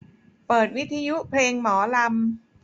เปิดวิทยุเพลงหมอลำ